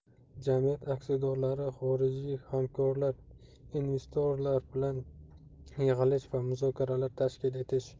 jamiyat aksiyadorlari xorijiy hamkorlar investorlar bilan yig'ilish va muzokaralar tashkil etish